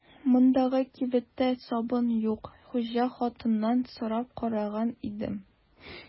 Мондагы кибеттә сабын юк, хуҗа хатыннан сорап караган идем.